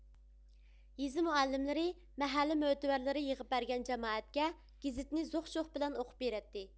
يېزا مۇئەللىملىرى مەھەللە مۆتىۋەرلىرى يىغىپ بەرگەن جامائەتكە گېزىتنى زوق شوق بىلەن ئوقۇپ بېرەتتى